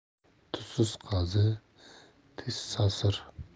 tuzsiz qazi tez sasir